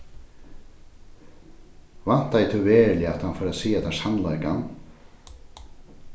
væntaði tú veruliga at hann fór at siga tær sannleikan